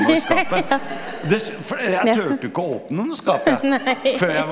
ja nei.